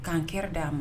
K'an kɛra d'a ma